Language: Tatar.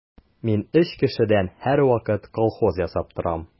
Мин өч кешедән һәрвакыт колхоз ясап торам.